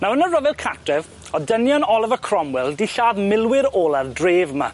Nawr yn y ryfel cartref o'dd dynion Oliver Cromwell 'di lladd milwyr ola'r dref 'ma.